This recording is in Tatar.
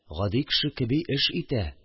Гади кеше кеби эш итә